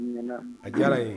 Ɲɛna a diyar'an ye